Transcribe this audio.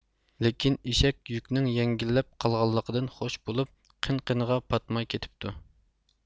لىكىن ئىشەك يۈكنىڭ يەڭگىللەپ قالغانلىقىدىن خوش بۇلۇپ قېن قېنىغا پاتماي كىتىپتۇ